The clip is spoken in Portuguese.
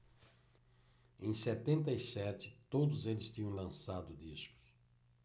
em setenta e sete todos eles tinham lançado discos